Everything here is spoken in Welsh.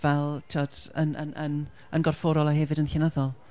Fel, timod yn- yn- yn- yn gorfforol a hefyd yn llenyddol.